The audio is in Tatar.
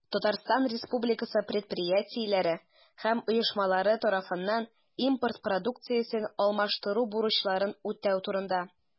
Татарстан Республикасы предприятиеләре һәм оешмалары тарафыннан импорт продукциясен алмаштыру бурычларын үтәү турында.